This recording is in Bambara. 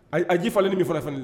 A a ji falen ni min fara fana